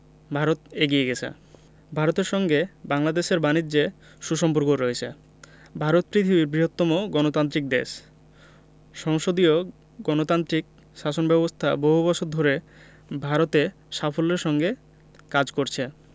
ভারত এগিয়ে গেছে ভারতের সঙ্গে বাংলাদেশের বানিজ্যে সু সম্পর্ক রয়েছে ভারত পৃথিবীর বৃহত্তম গণতান্ত্রিক দেশ সংসদীয় গণতান্ত্রিক শাসন ব্যাবস্থা বহু বছর ধরে ভারতে সাফল্যের সঙ্গে কাজ করছে